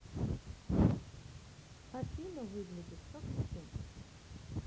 афина как выглядит скунс